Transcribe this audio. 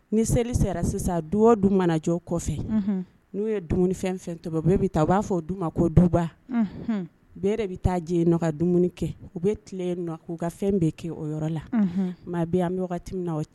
Ni seli sera sisan du dun manajɔ kɔfɛ n'u ye dumuni fɛn fɛn bɛ u b'a fɔ ma ko duba bɛɛ de bɛ taa jɛ n' ka dumuni kɛ u bɛ tilen k'u ka fɛn bɛ kɛ o yɔrɔ la maa bɛ an bɛ wagati min o